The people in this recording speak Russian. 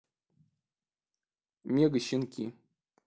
мега щенки